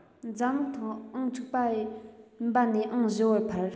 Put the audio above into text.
འཛམ གླིང ཐོག ཨང དྲུག པ ཡིན པ ནས ཨང བཞི པར འཕར